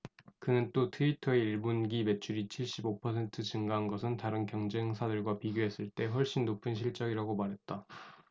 그는 또 트위터의 일 분기 매출이 칠십 오 퍼센트 증가한 것은 다른 경쟁사들과 비교했을 때 훨씬 높은 실적이라고 말했다